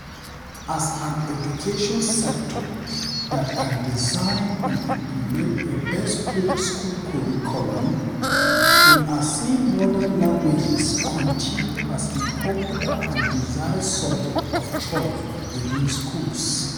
As an education sector that can design and implement a bespoke school curriculum, we are seeing modern languages continue as a popular and desired subject of choice within schools.